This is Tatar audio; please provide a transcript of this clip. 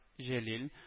Җәлил